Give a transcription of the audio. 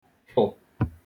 -fụ̀